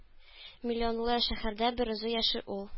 Миллионлы шәһәрдә берүзе яши ул.